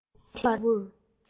དལ བ དལ བུར